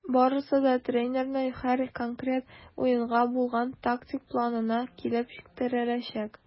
Барысы да тренерның һәр конкрет уенга булган тактик планына килеп терәләчәк.